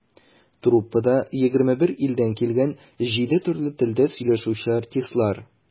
Труппада - 21 илдән килгән, җиде төрле телдә сөйләшүче артистлар.